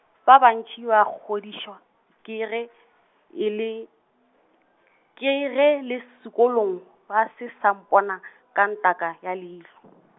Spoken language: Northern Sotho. ba bantši ba kgodišwa , ke ge e le , ke ge le sekolong, ba se sa mpona, ka ntaka ya leihlo.